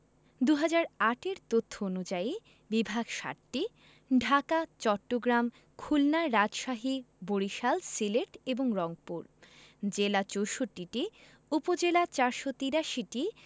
২০০৮ এর তথ্য অনুযায়ী বিভাগ ৭টি ঢাকা চট্টগ্রাম খুলনা রাজশাহী বরিশাল সিলেট এবং রংপুর জেলা ৬৪টি উপজেলা ৪৮৩টি